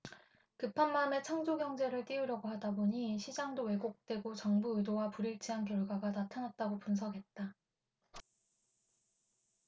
급한 마음에 창조경제를 띄우려고 하다 보니 시장도 왜곡되고 정부 의도와 불일치한 결과가 나타났다고 분석했다